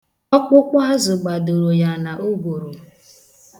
Ọkpụkpụ azụ gbadoro ya n'ogworo.